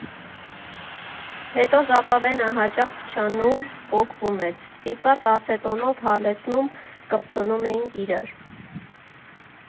Հետո ժապավենը հաճախ փչանում, պոկվում էր՝ ստիպված ացետոնով հալեցնում կպցնում էինք իրար։